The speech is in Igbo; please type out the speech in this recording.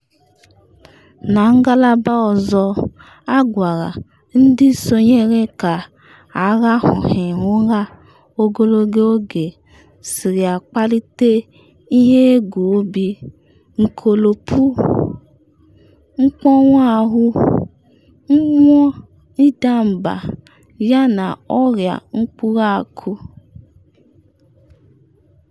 Na ngalaba ọzọ, agwara ndị sonyere ka arahụghị ụra ogologo oge siri akpalite ihe egwu obi nkolopu, mkpọnwu ahụ, mmụọ ịda mba yana oria mkpụrụ akụ.